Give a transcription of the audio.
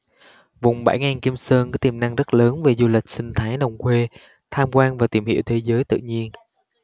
vùng bãi ngang kim sơn có tiềm năng rất lớn về du lịch sinh thái đồng quê tham quan và tìm hiểu về thế giới tự nhiên